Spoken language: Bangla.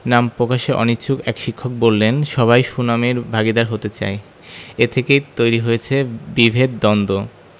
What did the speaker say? নাম প্রকাশে অনিচ্ছুক এক শিক্ষক বললেন সবাই সুনামের ভাগীদার হতে চায় এ থেকেই তৈরি হয়েছে বিভেদ দ্বন্দ্ব